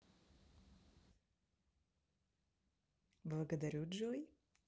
благодарю джой